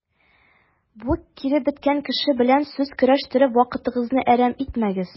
Бу киребеткән кеше белән сүз көрәштереп вакытыгызны әрәм итмәгез.